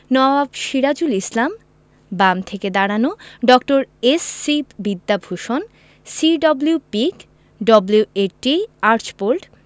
নওয়াব সিরাজুল ইসলাম বাম থেকে দাঁড়ানো ড. S C. Vidyabhushan C W. Peake W A T. Archbold